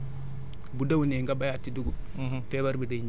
mu am feebar bu déwénee nga bayaat ci dugub